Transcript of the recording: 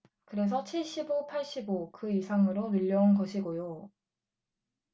그래서 칠십 오 팔십 오 그 이상으로 늘려온 것이고요